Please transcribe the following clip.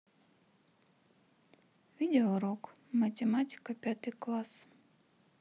видео урок математика пятый класс